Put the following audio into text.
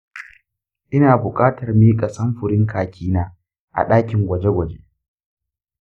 ina buƙatar miƙa samfurin kaki na a ɗakin gwaje-gwaje.